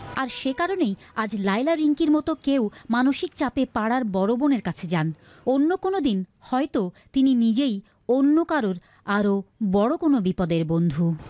আর সে কারণেই আজ লায়লা রিংকির মত কেউ মানসিক চাপে পাড়ার বড় বোনের কাছে যান অন্য কোনদিন হয়তো তিনি নিজেই অন্য কারো আরো কোন বিপদের বন্ধু